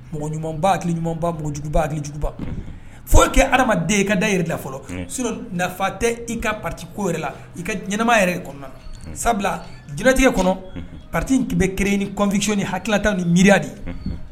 Mɔgɔ ɲumanumabaki ɲumanbajugubakijuguba foyi kɛ adamadamaden ye ka da yɛrɛ la fɔlɔ s nafafa tɛ i ka patiko yɛrɛ la i ka ɲɛnɛma yɛrɛ kɔnɔ sabula jtigɛ kɔnɔ pati kɛmɛ bɛ kerɛn nificy ni hakilila tan ni miiriya de ye